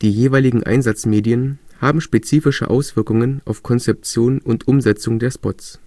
jeweiligen Einsatzmedien haben spezifische Auswirkungen auf Konzeption und Umsetzung der Spots